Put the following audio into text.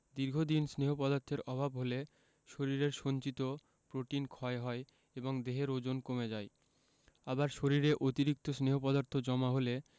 দীর্ঘদিন স্নেহ পদার্থের অভাব হলে শরীরের সঞ্চিত প্রোটিন ক্ষয় হয় এবং দেহের ওজন কমে যায় আবার শরীরে অতিরিক্ত স্নেহ পদার্থ জমা হলে